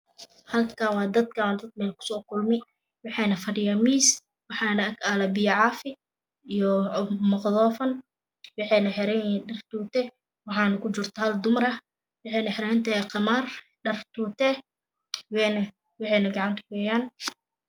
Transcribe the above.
Halkaan waa meel dadpadan ku soo kulmeen waxeena fadhiyaam miis waxaan ag ayalo piyo caaafi makroofan waxiina xiran yahiiin tuuto waxaana ku jirta hal dumar ah waxiina xirantahy qamaar dhar tuuto waxiuna gacta ku heyaan